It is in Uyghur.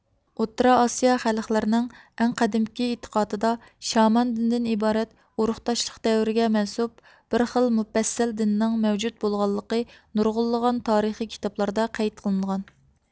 ئوتتۇرا ئاسىيا خەلقلىرىنىڭ ئەڭ قەدىمكى ئېتىقادىدا شامان دىنىدىن ئىبارەت ئۇرۇقداشلىق دەۋرىگە مەنسۇپ بىر خىل مۇپەسسەل دىننىڭ مەۋجۇت بولغانلىقى نۇرغۇنلىغان تارىخىي كىتابلاردا قەيت قىلىنغان